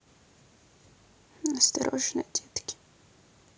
осторожно детки